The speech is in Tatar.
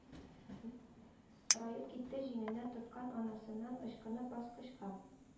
Раеп китте, җиңеннән тоткан анасыннан ычкынып, баскычка